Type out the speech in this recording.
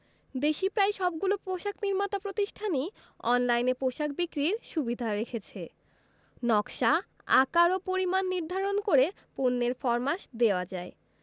দেশি প্রায় সবগুলো পোশাক নির্মাতা প্রতিষ্ঠানই অনলাইনে পোশাক বিক্রির সুবিধা রেখেছে নকশা আকার ও পরিমাণ নির্ধারণ করে পণ্যের ফরমাশ দেওয়া যায়